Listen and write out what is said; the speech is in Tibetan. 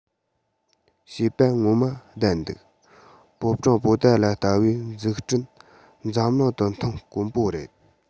བཤད པ ངོ མ བདེན འདུག ཕོ བྲང པོ ཏ ལ ལྟ བུའི འཛུགས སྐྲུན འཛམ གླིང དུ མཐོང དཀོན པོ རེད